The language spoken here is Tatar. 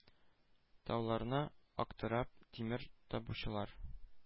Тауларны актарып тимер табучылар,